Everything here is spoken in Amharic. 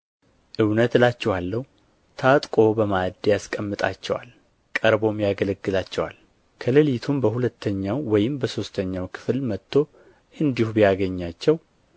እውነት እላችኋለሁ ታጥቆ በማዕድ ያስቀምጣቸዋል ቀርቦም ያገለግላቸዋል ከሌሊቱም በሁለተኛው ወይም በሦስተኛው ክፍል መጥቶ እንዲሁ ቢያገኛቸው